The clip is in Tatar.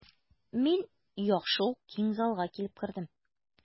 Мин яхшы ук киң залга килеп кердем.